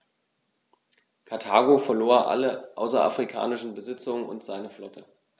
Karthago verlor alle außerafrikanischen Besitzungen und seine Flotte.